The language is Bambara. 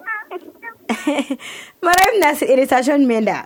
Mara e bena se récitation jumɛn da